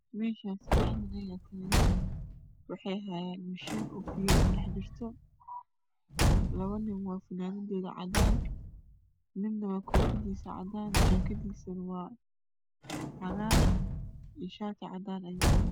Meeshaan seddex nin ayaa taagan waxay hayaan mishiin oo fiilo kudhex jirto. labo nin fanaanadoodo waa cadaan. Midna koofidiisu waa cadaan jaakaduna waa cagaar iyo shaati cadaan ah ayuu wataa.